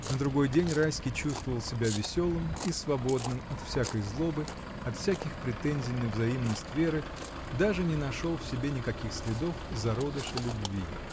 На другой день Райский чувствовал себя веселым и свободным от всякой злобы, от всяких претензий на взаимность Веры, даже не нашел в себе никаких следов зародыша любви.